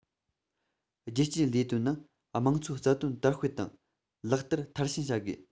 རྒྱལ སྤྱིའི ལས དོན ནང དམངས གཙོའི རྩ དོན དར སྤེལ དང ལག བསྟར མཐར ཕྱིན བྱ དགོས